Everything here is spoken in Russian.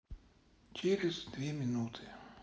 через две минуты